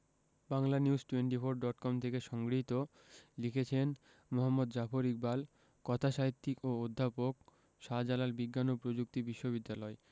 Banglanews twenty four dot com থেকে সংগৃহীত লিখেছেন মুহাম্মদ জাফর ইকবাল কথাসাহিত্যিক ও অধ্যাপক শাহজালাল বিজ্ঞান ও প্রযুক্তি বিশ্ববিদ্যালয়